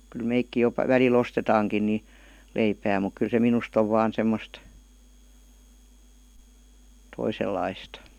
kyllä mekin jo välillä ostetaankin niin leipää mutta kyllä se minusta on vain semmoista toisenlaista